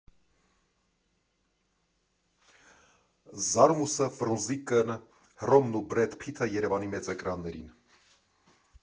Ջարմուշը, Ֆրունզիկը, Հռոմն ու Բրեդ Փիթը Երևանի մեծ էկրաններին։